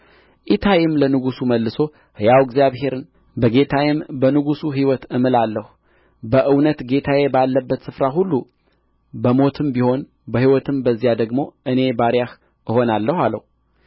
ኢታይም ለንጉሡ መልሶ ሕያው እግዚአብሔርን በጌታዬም በንጉሡ ሕይወት እምላለሁ በእውነት ጌታዬ ባለበት ስፍራ ሁሉ በሞትም ቢሆን በሕይወትም በዚያ ደግሞ እኔ ባሪያህ እሆናለሁ አለው